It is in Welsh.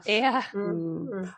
Ia . Hmm. Hmm.